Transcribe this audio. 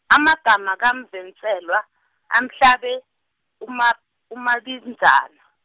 amagama kaMvenselwa, amhlabe, uMa-, uMabinzana.